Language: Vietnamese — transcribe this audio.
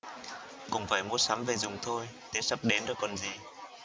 cũng phải mua sắm về dùng thôi tết sắp đến rồi còn gì